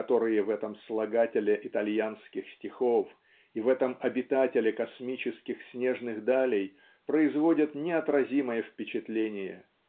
которые в этом слагателе итальянских стихов и в этом обитателе космических снежных далей производят неотразимое впечатление.